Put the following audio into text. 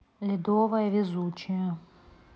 лядова везучая